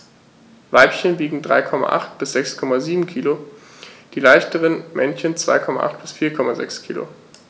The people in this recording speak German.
Weibchen wiegen 3,8 bis 6,7 kg, die leichteren Männchen 2,8 bis 4,6 kg.